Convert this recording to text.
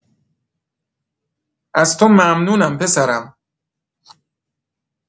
از تو ممنونم پسرم.